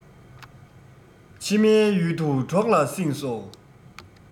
ཕྱི མའི ཡུལ དུ གྲོགས ལ བསྲིངས སོ